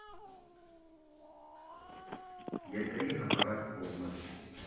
Երկրի հակառակ կողմը։